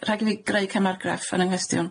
rhag i fi greu cymargraff yn y'nghwestiwn.